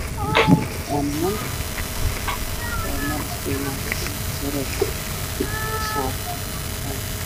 Waa Niman oo meel isugu imaaday waxee wataan shaatiyaal caddaan eh